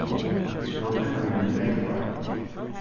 vit vóru pennavinir í nógv ár